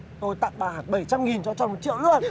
tội tặng bà hẳn bảy trăm nghìn cho tròn một triệu luôn